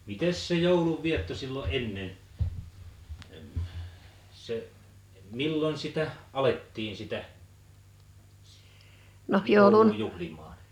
mitenkäs se joulun vietto silloin ennen - se milloin sitä alettiin sitä joulua juhlimaan